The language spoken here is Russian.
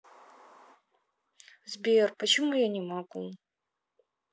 сбер почему я не могу